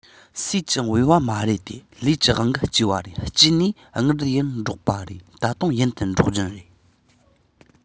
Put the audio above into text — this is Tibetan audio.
སུས ཀྱང བོས པ མ རེད དེ ལས ཀྱི དབང གིས སྐྱེས པ རེད སྐྱེས ནས སྔར ཡང འགྲོགས པ རེད ད དུང ཡུན དུ འགྲོགས རྒྱུ རེད